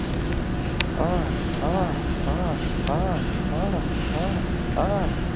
а а а а а а а